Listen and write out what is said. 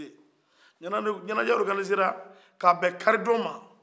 ɲɛnajɛ organisera ka bɛ kari don ma